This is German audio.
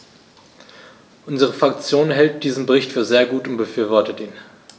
Unsere Fraktion hält diesen Bericht für sehr gut und befürwortet ihn.